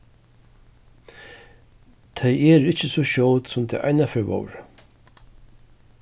tey eru ikki so skjót sum tey einaferð vóru